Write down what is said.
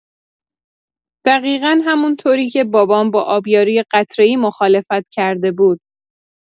دقیقا همون‌طوری که بابام با آبیاری قطره‌ای مخالفت کرده بود.